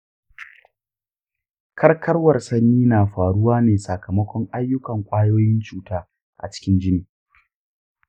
karkarwar sanyi na faruwa ne sakamakon ayyukan ƙwayoyin cuta a cikin jini.